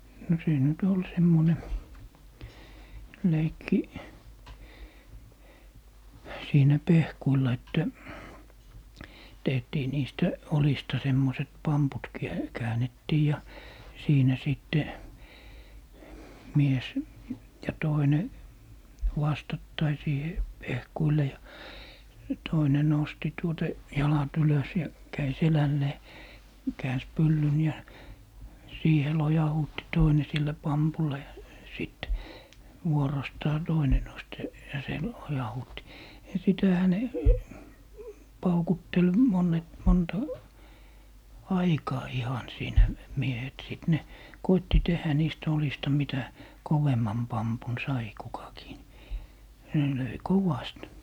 no siinä nyt oli semmoinen leikki siinä pehkuilla että tehtiin niistä oljista semmoiset pamput - käännettiin ja siinä sitten mies ja toinen vastakkain siihen pehkuille ja ja toinen nosti tuota jalat ylös ja kävi selälleen käänsi pyllyn ja siihen lojautti toinen sillä pampulla ja sitten vuorostaan toinen nosti sen ja se lojautti ja sitähän ne paukutteli - monta aikaa ihan siinä miehet sitten ne koetti tehdä niistä oljista mitä kovemman pampun sai kukakin niin ne löi kovasti